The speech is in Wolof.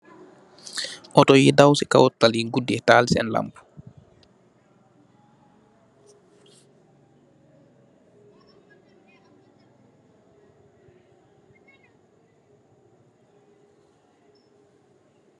Ooto yi daaw si kaw taly guddi tahal sen lampu